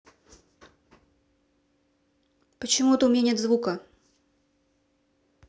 почему то у меня нет звука